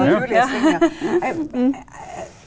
.